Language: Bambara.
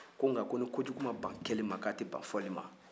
ko nka ni kojugu ma ban kɛli ma ko a tɛ ban fɔli ma